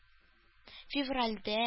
Февральдә